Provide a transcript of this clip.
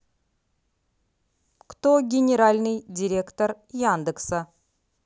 кто генеральный директор яндекса